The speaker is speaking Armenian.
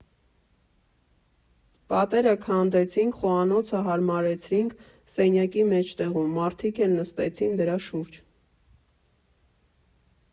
Պատերը քանդեցինք, խոհանոցը հարմարեցրինք սենյակի մեջտեղում, մարդիկ էլ նստեցին դրա շուրջ։